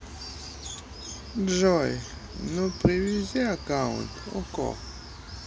джой ну привези аккаунт okko